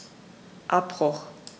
Abbruch.